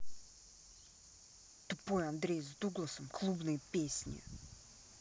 тупой андрей с дугласом клубные песни